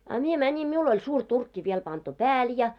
a minä menin minulla oli suuri turkki vielä pantu päälle ja